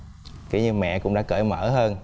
kiểu như mẹ cũng đã cởi mở hơn